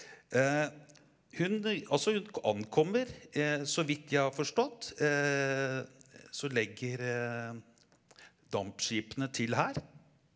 hun altså hun ankommer så vidt jeg har forstått så legger dampskipene til her.